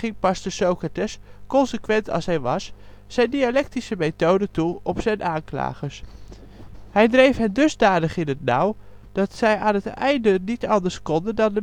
paste Socrates, consequent als hij was, zijn dialectische methode toe op zijn aanklagers. Hij dreef hen dusdanig in het nauw dat zij aan het einde niet anders konden dan de